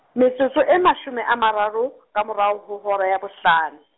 metsotso e mashome a mararo, ka morao ho hora ya bohlano.